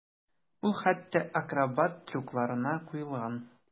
Ул хәтта акробат трюкларына куелган.